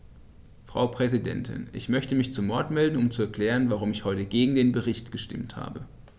Frau Präsidentin, ich möchte mich zu Wort melden, um zu erklären, warum ich heute gegen den Bericht gestimmt habe.